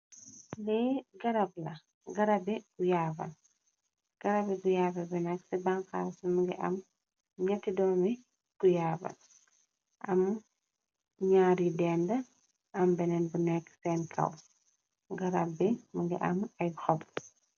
lii grbra garabe gu yaabe bi nag ci banxar ci mi ngi am ñetti doomi gu yaaban am ñaar yi dend am benet bu nekk san cous garab bi më ngi am yk xob